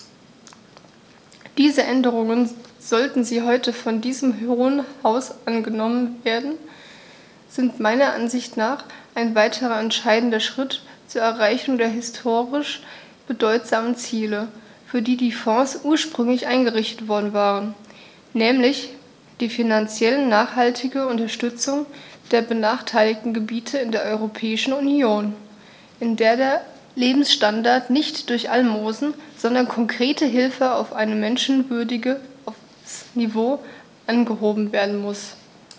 Diese Änderungen, sollten sie heute von diesem Hohen Haus angenommen werden, sind meiner Ansicht nach ein weiterer entscheidender Schritt zur Erreichung der historisch bedeutsamen Ziele, für die die Fonds ursprünglich eingerichtet worden waren, nämlich die finanziell nachhaltige Unterstützung der benachteiligten Gebiete in der Europäischen Union, in der der Lebensstandard nicht durch Almosen, sondern konkrete Hilfe auf ein menschenwürdiges Niveau angehoben werden muss.